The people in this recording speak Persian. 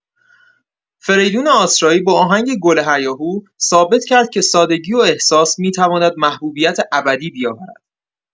فریدون آسرایی با آهنگ «گل هیاهو» ثابت کرد که سادگی و احساس می‌تواند محبوبیت ابدی بیاورد.